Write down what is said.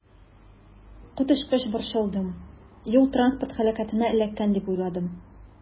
Коточкыч борчылдым, юл-транспорт һәлакәтенә эләккән дип уйладым.